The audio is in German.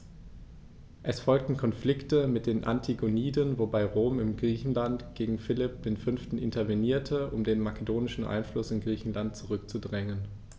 Es folgten Konflikte mit den Antigoniden, wobei Rom in Griechenland gegen Philipp V. intervenierte, um den makedonischen Einfluss in Griechenland zurückzudrängen.